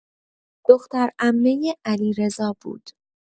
دخترعمۀ علیرضا بود.